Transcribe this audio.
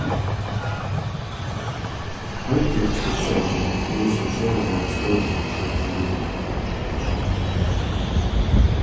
heitið á stuttsøguni lýsir sera væl støðuna hjá familjuni